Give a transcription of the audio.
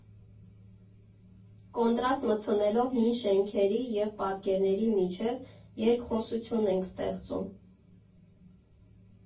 Կոնտրաստ մտցնելով հին շենքերի և պատկերների միջև՝ երկխոսություն ենք ստեղծում»։